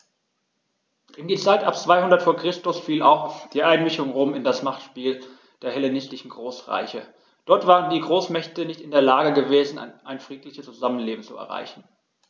In die Zeit ab 200 v. Chr. fiel auch die Einmischung Roms in das Machtspiel der hellenistischen Großreiche: Dort waren die Großmächte nicht in der Lage gewesen, ein friedliches Zusammenleben zu erreichen.